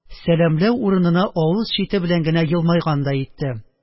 Сәламләү урынына авыз чите белән генә елмайгандай итте